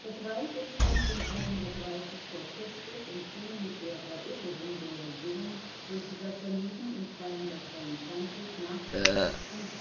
Das Reich entstand um 130 v. Chr. und ging mit der Eroberung der Region durch die Sassaniden um 222 n. Chr. unter